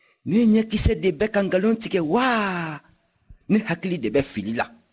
ne ɲɛkisɛ de bɛ ka nkalon tigɛ wa ne hakili de bɛ fili la